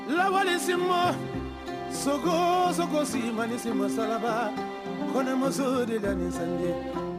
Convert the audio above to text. Lasinkuma sigiman nisin sababa komuso de la sa